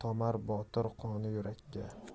tomar botir qoni yurakka